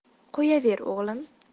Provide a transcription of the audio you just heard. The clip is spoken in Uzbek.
qo'yaver o'g'lim